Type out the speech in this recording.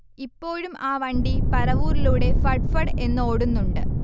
ഇപ്പോഴും ആ വണ്ടി പറവൂരിലൂടെ ഫട്ഫട് എന്ന് ഓടുന്നുണ്ട്